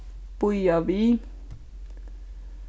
bíða við